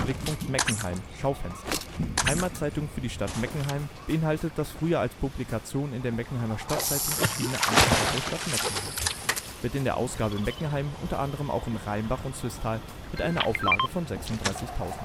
Blickpunkt Meckenheim (Schaufenster) - Heimatzeitung für die Stadt Meckenheim (beinhaltet das früher als Publikation in der Meckenheimer Stadtzeitung erschienene Amtsblatt der Stadt Meckenheim). Wird in der Ausgabe Meckenheim unter anderem in Rheinbach und Swisttal mit einer Auflage von 36.000